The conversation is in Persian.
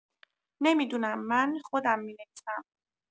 نمی‌دونم من خودم می‌نویسم!